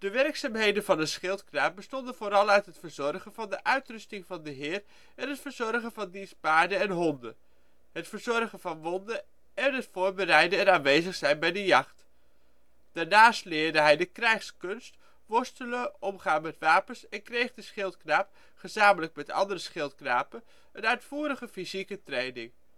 werkzaamheden van een schildknaap bestonden vooral uit het verzorgen van de uitrusting van de heer en het verzorgen van diens paarden en honden, het verzorgen van wonden en het voorbereiden en aanwezig zijn bij de jacht. Daarnaast leerde hij de krijgskunst, worstelen, omgaan met wapens en kreeg de schildknaap (gezamenlijk met andere schildknapen) een uitvoerige fysieke training